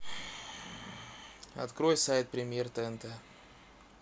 открой сайт премьер тнт